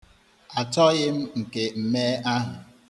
Achọghị m nke mmee ahụ.